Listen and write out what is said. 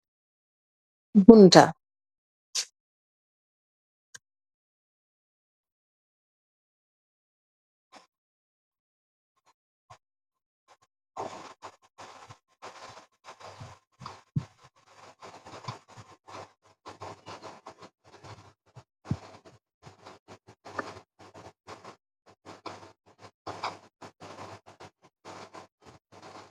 Bunta ..................................